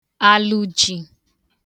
alụjī